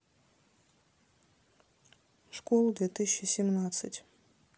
школа две тысячи семнадцать